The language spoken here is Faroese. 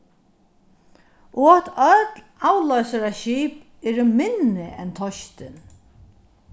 og at øll avloysaraskip eru minni enn teistin